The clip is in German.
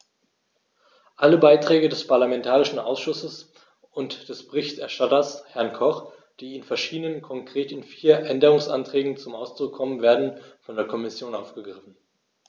Alle Beiträge des parlamentarischen Ausschusses und des Berichterstatters, Herrn Koch, die in verschiedenen, konkret in vier, Änderungsanträgen zum Ausdruck kommen, werden von der Kommission aufgegriffen.